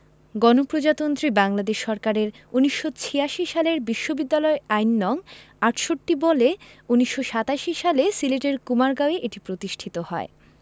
গণপ্রজাতন্ত্রী বাংলাদেশ সরকারের ১৯৮৬ সালের বিশ্ববিদ্যালয় আইন নং ৬৮ বলে ১৯৮৭ সালে সিলেটের কুমারগাঁও এ এটি প্রতিষ্ঠিত হয়